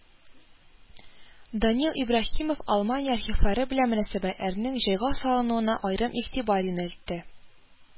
Данил Ибраһимов Алмания архивлары белән мөнәсәбәтләрнең җайга салынуына аерым игътибар юнәлтте